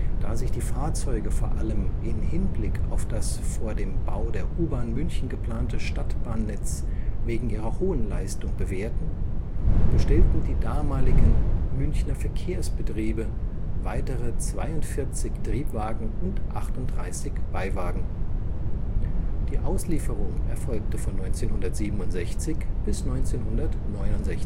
Da sich die Fahrzeuge vor allem in Hinblick auf das vor dem Bau der U-Bahn München geplante Stadtbahnnetz wegen ihrer hohen Leistung bewährten, bestellten die damaligen Münchner Verkehrsbetriebe weitere 42 Triebwagen und 38 Beiwagen. Die Auslieferung erfolgte von 1967 bis 1969